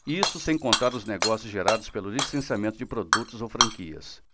isso sem contar os negócios gerados pelo licenciamento de produtos ou franquias